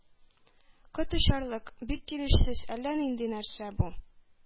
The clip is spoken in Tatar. Кот очарлык, бик килешсез, әллә нинди нәрсә бу!